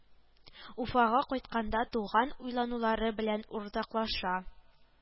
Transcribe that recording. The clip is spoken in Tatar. Уфага кайтканда туган уйланулары белән уртаклаша